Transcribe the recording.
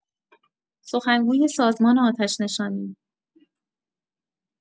سخنگوی سازمان آتش‌نشانی